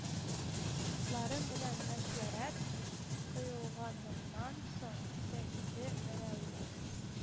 Ларым белән мәшвәрәт кыйлганымнан соң, сахибе мөрәүвәт